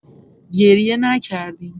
گریه نکردیم.